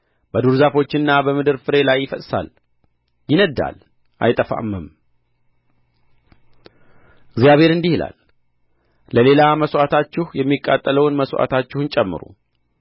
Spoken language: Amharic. በዱር ዛፎችና በምድር ፍሬ ላይ ይፈስሳል ይነድዳል አይጠፋምም እግዚአብሔር እንዲህ ይላል ለሌላ መሥዋዕታችሁ የሚቃጠለውን መሥዋዕታችሁን ጨምሩ